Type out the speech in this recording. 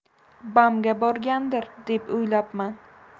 bamga borgandir deb o'ylabman